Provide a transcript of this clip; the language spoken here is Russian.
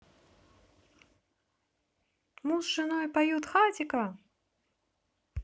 муж с женой поют хатико